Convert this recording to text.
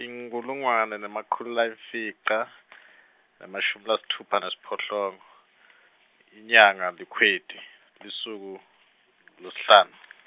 inkhulungwane nemakhulu layimfica , namashumi lasitfupha nesiphohlongo , inyanga iNkhwekhweti lisuku, ngulosihlanu.